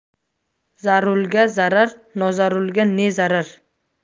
zarulga zarur nozarulga ne zarur